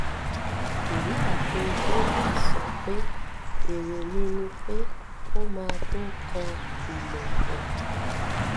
Ìyáàfin Davis sọ pé: “Èrò mi ni pé ó ma tó kan ilẹ̀kùn.”